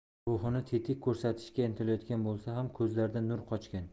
ruhini tetik ko'rsatishga intilayotgan bo'lsa ham ko'zlaridan nur qochgan